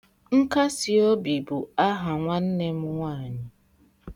Nkasiobi bụ aha nwanne m nwaanyị.